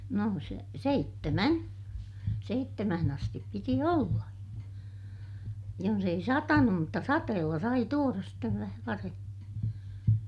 no - seitsemän seitsemään asti piti olla jos ei satanut mutta sateella sai tuoda sitten vähän varhemmin